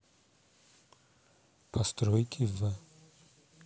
постройки в